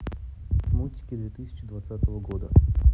мультики две тысячи двадцатого года